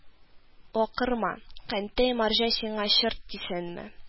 – акырма, кәнтәй марҗа, сиңа чорт тисенме